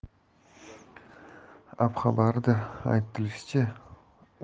apxabarda aytilishicha u